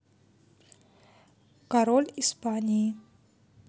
король испании